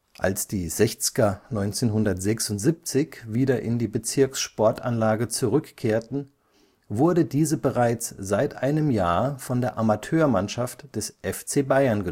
Als die Sechzger 1976 wieder in die Bezirkssportanlage zurückkehrten, wurde diese bereits seit einem Jahr von der Amateurmannschaft des FC Bayern